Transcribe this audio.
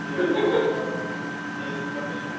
Ie efo yym iaith funny.